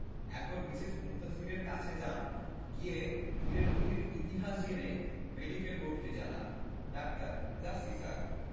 এখন মিসেস মুনতাসীরের কাছে যান গিয়ে ধীরে রোগীর ইতিহাস জেনে মেডিকেল বোর্ডকে জানান ডাক্তার যাচ্ছি স্যার